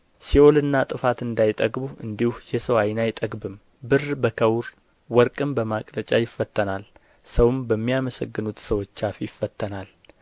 ሲኦልና ጥፋት እንዳይጠግቡ እንዲሁ የሰው ዓይን አይጠግብም ብር በከውር ወርቅም በማቅለጫ ይፈተናል ሰውም በሚያመሰገኑት ሰዎች አፍ ይፈተናል